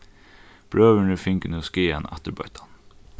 brøðurnir fingu nú skaðan afturbøttan